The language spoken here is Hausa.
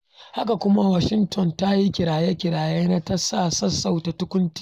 Haka kuma Washington ta ƙi kiraye-kiraye na ta sassauta takunkumin ƙasa-da-ƙasa a kan Koriya ta Arewa.